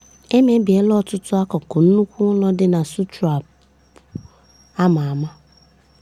E mebiela ọtụtụ akukụ nnukwu ụlọ dị na Sutrapur a ma ama.